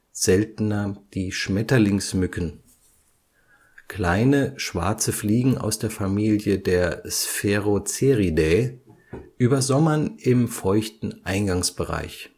seltener die Schmetterlingsmücken (Psychodidae). Kleine schwarze Fliegen aus der Familie der Sphaeroceridae (Dungfliegen) übersommern im feuchten Eingangsbereich